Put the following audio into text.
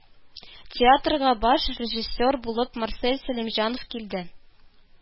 Театрга баш режиссер булып марсель сәлимҗанов килде